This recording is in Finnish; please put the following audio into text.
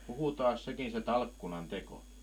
puhutaanpas sekin se talkkunan teko